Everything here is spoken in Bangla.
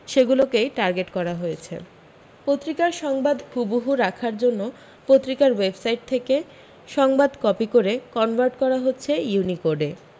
সেগুলোকেই টার্গেট করা হয়েছে পত্রিকার সংবাদ হুবুহু রাখার জন্য পত্রিকার ওয়েবসাইট থেকে সংবাদ কপি করে কনভার্ট করা হচ্ছে ইউনিকোডে